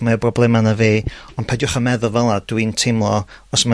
mwy o broblema na fi, ond peidiwch a meddwl fel 'na. Dwi'n teimlo, os ma'